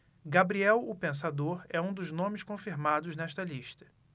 gabriel o pensador é um dos nomes confirmados nesta lista